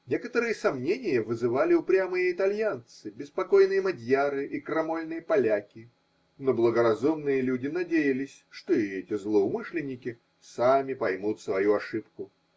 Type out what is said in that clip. Некоторые сомнения вызывали упрямые итальянцы, беспокойные мадьяры и крамольные поляки, но благоразумные люди надеялись, что и эти злоумышленники сами поймут свою ошибку.